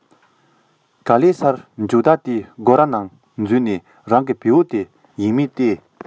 ག ལེར སར འབྱོར བདག དེའི སྒོ རའི ནང འཛུལ ནས རང གི བེའུ དེ ཡིད མེད བལྟས